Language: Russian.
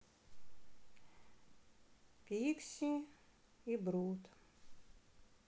пикси и брут